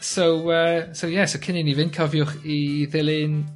So yy so ie cyn i ni fynd cofiwch i ddilyn...